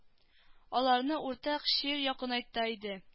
Аларны уртак чир якынайта иде